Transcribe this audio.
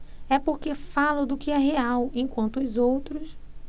é porque falo do que é real enquanto os outros